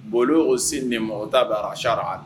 Boli o se nin mɔgɔ ta da ahara